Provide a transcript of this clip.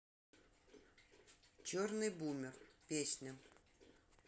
черный бумер песня